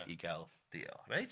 i i gael dial, reit?